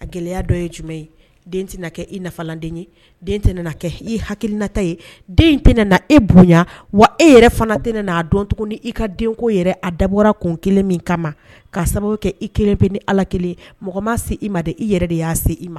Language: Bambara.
A gɛlɛya dɔ ye jumɛn ye den tɛna kɛ i nafalanden ye den tɛ kɛ i hainata ye den tɛna na e bonya wa e yɛrɛ fana tɛna n' a dɔnt i ka denko yɛrɛ a dabɔra kun kelen min kama kaa sababu kɛ i kelen bɛ ni ala kelen mɔgɔma se i ma de i yɛrɛ de y'a se i ma